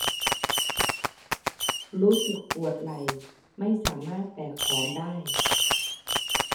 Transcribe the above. รู้สึกปวดไหล่ไม่สามารถแบกของได้